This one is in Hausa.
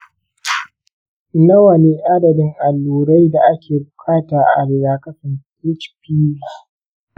nawa ne adadin allurai da ake buƙata a rigakafin hpv?